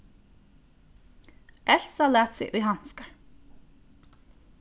elsa læt seg í handskar